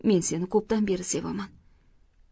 men seni ko'pdan beri sevaman